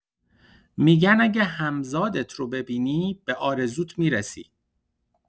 می‌گن اگه همزادت رو ببینی، به آرزوت می‌رسی.